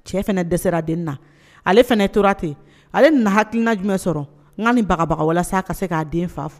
Cɛ fana dɛsɛsera a den na ale fana tora ten ale na haina jumɛn sɔrɔ n ka ni bagabaga walasa ka se k'a den faa fɔ